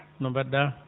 no mbaɗɗa